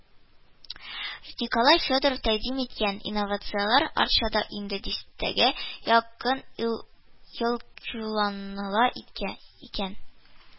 Николай Федоров тәкъдим иткән инновацияләр Арчада инде дистәгә якын ел кулланыла икән